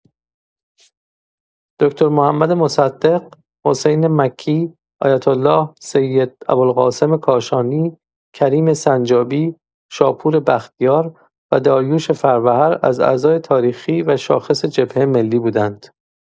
دکتر محمد مصدق، حسین مکی، آیت‌الله سیدابوالقاسم کاشانی، کریم سنجابی، شاپور بختیار و داریوش فروهر از اعضای تاریخی و شاخص جبهه ملی بودند.